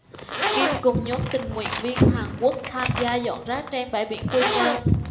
kim cùng nhóm tình nguyện viên hàn quốc tham gia dọn rác trên bãi biển quy nhơn